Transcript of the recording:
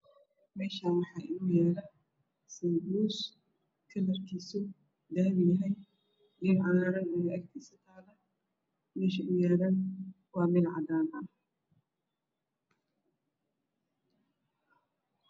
Meshaan wax ino yala sanbuus kalarkiisu dahabi yahay geed cagarane o agtisa ku yala mesha u yalane wa meel cadan ah